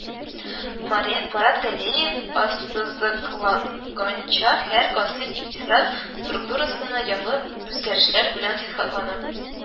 Марат Галиев ассызыклаганча, һәр гасыр икътисад структурасында яңа үзгәрешләр белән сыйфатлана